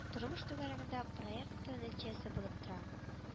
Тормыш түгәрәгендә проекыты нәтиҗәсе булып тора